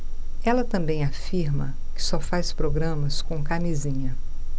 ela também afirma que só faz programas com camisinha